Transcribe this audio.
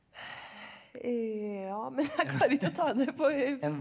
ja men jeg kan ikke å ta det på .